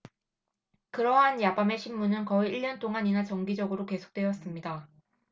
그러한 야밤의 심문은 거의 일년 동안이나 정기적으로 계속되었습니다